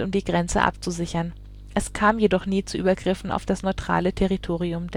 die Grenze abzusichern. Es kam jedoch nie zu Übergriffen auf das neutrale Territorium